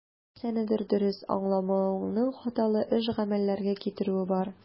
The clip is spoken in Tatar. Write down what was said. Нәрсәнедер дөрес аңламавыңның хаталы эш-гамәлләргә китерүе бар.